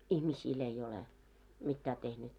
ihmisille ei ole mitään tehnyt